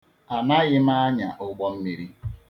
Anaghị m anya ụgbọ mmiri.